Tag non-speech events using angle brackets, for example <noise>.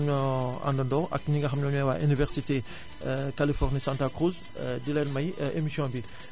ñoo àndandoo <music> ak ñi nga xam ne ñoom ñooy waa Université Californie Santa Cruz <hesitation> di leen may <hesitation> émission bii